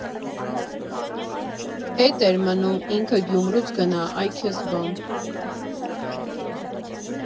Էդ էր մնում, ինքը Գյումրուց գնա, այ քեզ բան։